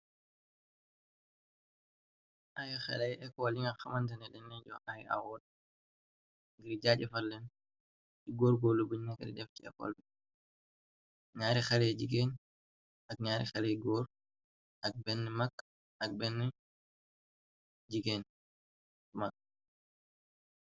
Ai xaley ekoll yiga xamantené denj Len joh ay award ngir jaajefarleen ci góor-góolu buñ ñagari def ci ekoll bi ñaari xeley jiggéen ak ñaari xeley góor ak benn magg ak benn jiggéen magg.